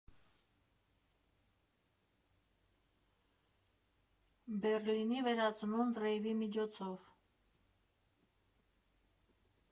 Բեռլին Վերածնունդ ռեյվի միջոցով։